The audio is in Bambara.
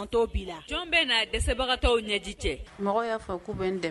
Jɔn bɛ na dɛsɛbagatɔ ɲɛji cɛ mɔgɔ y'a fɔ ko bɛ dɛ